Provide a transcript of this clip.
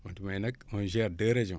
wante mais nag on gère deux régions